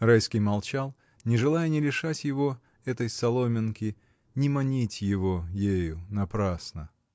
Райский молчал, не желая ни лишать его этой соломинки, ни манить его ею напрасно.